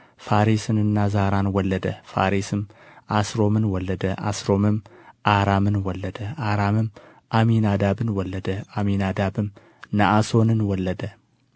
ፋሬስንና ዛራን ወለደ ፋሬስም ኤስሮምን ወለደ ኤስሮምም አራምን ወለደ አራምም አሚናዳብን ወለደ አሚናዳብም ነአሶንን ወለደ